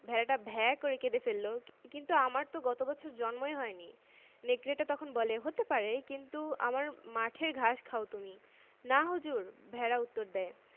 ঘাস খেতে কেমন তাই আমি জানি না এখনো নেকড়ে ছাড়ে না তুই আমার কুয়ো থেকে জল খাস না না আর্তনাদ করে ওঠে ভেড়াটা আমি এখনো এক ফোঁটা জল ও মুখে দিইনি আমি ত এখনো শুধু মার দুধ খাই হুম